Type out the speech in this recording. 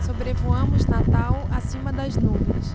sobrevoamos natal acima das nuvens